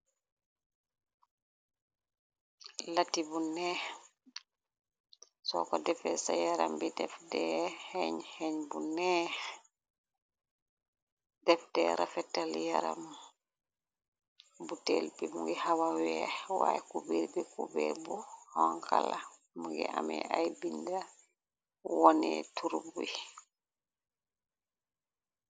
Lati bu neex soo ko defel ca yaram bi xñxeñ bu def de rafetal yaram bu tel bi mungi hawaweex waaye cubeer bi cubeer bu ankala mu ngi amee ay binda wone turub wi.